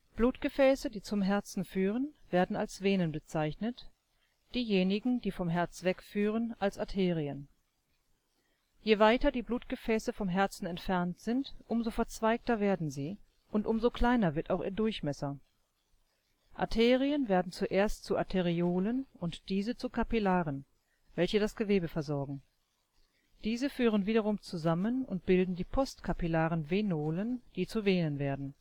Blutgefäße, die zum Herzen führen, werden als Venen bezeichnet, diejenigen, die vom Herz wegführen, als Arterien. Je weiter die Blutgefäße vom Herzen entfernt sind, umso verzweigter werden sie, und umso kleiner wird auch ihr Durchmesser. Arterien werden zuerst zu Arteriolen und diese zu Kapillaren, welche das Gewebe versorgen. Diese führen wiederum zusammen und bilden die postkapillaren Venolen, die zu Venen werden